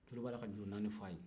dɔw b'a la ka jurunaani f'a ye